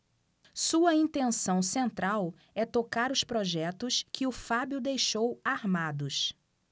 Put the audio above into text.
sua intenção central é tocar os projetos que o fábio deixou armados